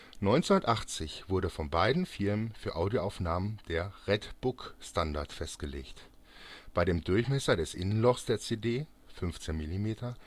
1980 wurde von beiden Firmen für Audioaufnahmen der " Red Book "- Standard festgelegt. Bei dem Durchmesser des Innenloches der CD (15 mm